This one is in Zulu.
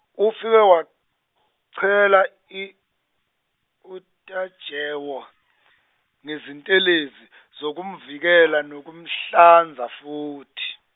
ufike wachela i- uTajewo, ngezintelezi, zokumvikela nokumhlanza futhi.